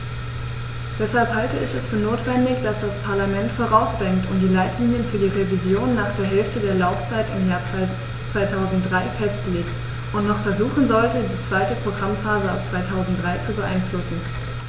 Deshalb halte ich es für notwendig, dass das Parlament vorausdenkt und die Leitlinien für die Revision nach der Hälfte der Laufzeit im Jahr 2003 festlegt und noch versuchen sollte, die zweite Programmphase ab 2003 zu beeinflussen.